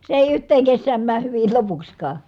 se ei yhteen kesään mene hyvin lopuksikaan